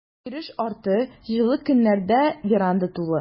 Йөреш артты, җылы көннәрдә веранда тулы.